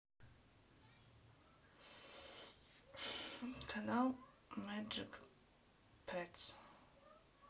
канал мэджик петс